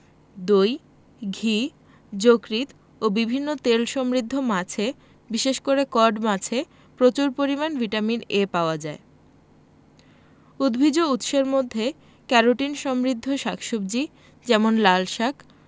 দই ঘি যকৃৎ ও বিভিন্ন তেলসমৃদ্ধ মাছে বিশেষ করে কড মাছে প্রচুর পরিমান ভিটামিন A পাওয়া যায় উদ্ভিজ্জ উৎসের মধ্যে ক্যারোটিন সমৃদ্ধ শাক সবজি যেমন লালশাক